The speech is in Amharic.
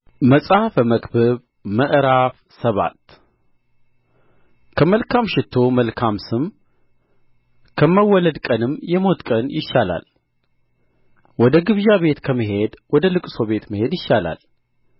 መጽሐፈ መክብብ ምዕራፍ ሰባት ከመልካም ሽቱ መልካም ስም ከመወለድ ቀንም የሞት ቀን ይሻላል ወደ ግብዣ ቤት ከመሄድ ወደ ልቅሶ ቤት መሄድ ይሻላል